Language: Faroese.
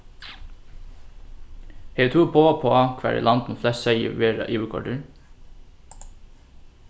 hevur tú eitt boð uppá hvar í landinum flest seyðir verða yvirkoyrdir